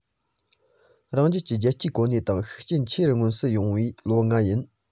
རང རྒྱལ གྱི རྒྱལ སྤྱིའི གོ གནས དང ཤུགས རྐྱེན ཆེ རུ མངོན གསལ སོང བའི ལོ ལྔ ཡིན